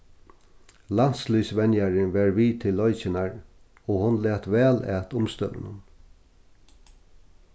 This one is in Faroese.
landsliðsvenjarin var við til leikirnar og hon læt væl at umstøðunum